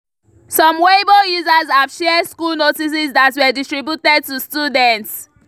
Some Weibo users have shared school notices that were distributed to students.